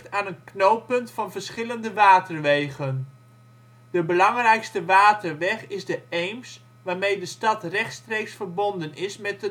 aan een knooppunt van verschillende waterwegen. De belangrijkste waterweg is de Eems, waarmee de stad rechtstreeks verbonden is met